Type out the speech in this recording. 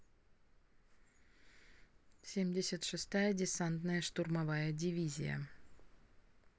семьдесят шестая десантная штурмовая дивизия